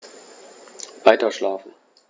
Weiterschlafen.